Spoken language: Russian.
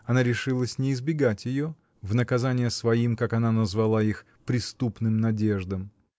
Она решилась не избегать ее, в наказание своим, как она назвала их, преступным надеждам.